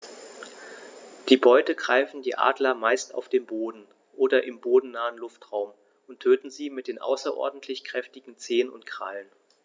Die Beute greifen die Adler meist auf dem Boden oder im bodennahen Luftraum und töten sie mit den außerordentlich kräftigen Zehen und Krallen.